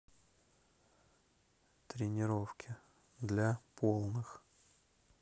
тренировки для полных